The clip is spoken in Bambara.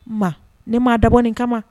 Ma ne ma dabɔ ni kama